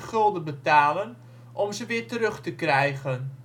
gulden betalen om ze weer terug te krijgen